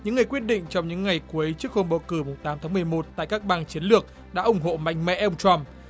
những người quyết định trong những ngày cuối trước cuộc bầu cử mùng tám tháng mười một tại các bang chiến lược đã ủng hộ mạnh mẽ ông trăm